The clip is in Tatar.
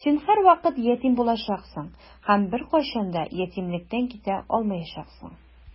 Син һәрвакыт ятим булачаксың һәм беркайчан да ятимлектән китә алмаячаксың.